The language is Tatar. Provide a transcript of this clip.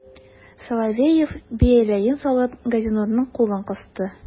Соловеев, бияләен салып, Газинурның кулын кысты.